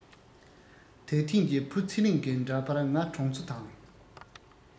ད ཐེངས ཀྱི བུ ཚེ རིང གི འདྲ པར ང གྲོང ཚོ དང